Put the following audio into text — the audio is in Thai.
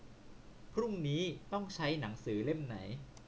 พรุ่งนี้ต้องใช้หนังสือเล่มไหน